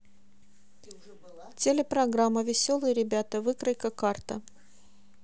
телепрограмма веселые ребята выкройка карта